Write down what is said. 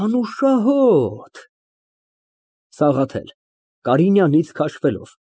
Անուշահոտ… ՍԱՂԱԹԵԼ ֊ (Կարինյանից քաշվելով)